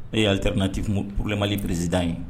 E aleliternati purlemalieresid ye